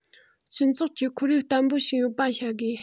སྤྱི ཚོགས ཀྱི ཁོར ཡུག བརྟན པོ ཞིག ཡོད པ བྱ དགོས